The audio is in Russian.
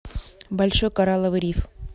большой коралловый риф